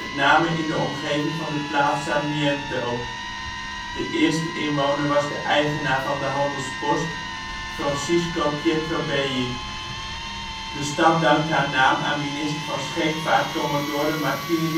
name in de omgeving van de plaats Sarmiento. De eerste inwoner was de eigenaar van de handelspost: Francisco Pietrobelli. De stad dankt haar naam aan minister van scheepvaart Comodore Martin